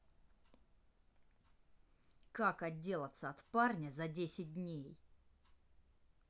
как отделаться от парня за десять дней